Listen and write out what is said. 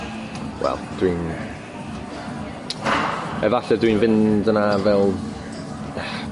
wel dwi'n efalle dwi'n fynd yna fel